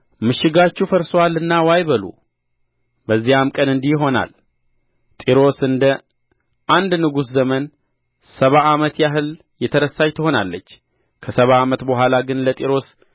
ምሽጋችሁ ፈርሶአልና ዋይ በሉ በዚያም ቀን እንዲህ ይሆናል ጢሮስ እንደ አንድ ንጉሥ ዘመን ሰባ ዓመት ያህል የተረሳች ትሆናለች ከሰባ ዓመት በኋላ ግን ለጢሮስ